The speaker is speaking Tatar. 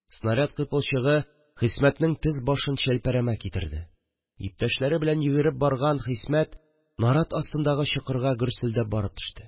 Снаряд кыйпылчыгы Хисмәтнең тез башын челпәрәмә китерде, иптәшләре белән йөгереп барган Хисмәт нарат астындагы чокырга гөрселдәп барып төште